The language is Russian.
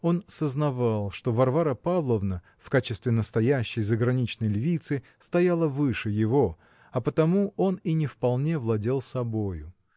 он сознавал, что Варвара Павловна, в качестве настоящей, заграничной львицы, стояла выше его, а потому он и не вполне владел собою.